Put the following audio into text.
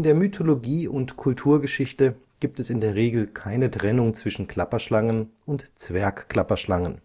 der Mythologie und Kulturgeschichte gibt es in der Regel keine Trennung zwischen Klapperschlangen und Zwergklapperschlangen,